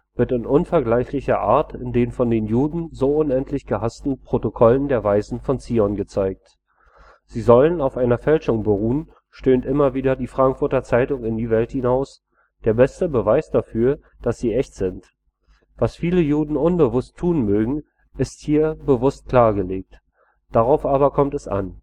wird in unvergleichlicher Art in den von den Juden so unendlich gehaßten ‚ Protokollen der Weisen von Zion ‘gezeigt. Sie sollen auf einer Fälschung beruhen, stöhnt immer wieder die ‚ Frankfurter Zeitung ‘in die Welt hinaus: der beste Beweis dafür, daß sie echt sind. Was viele Juden unbewußt tun mögen, ist hier bewußt klargelegt. Darauf aber kommt es an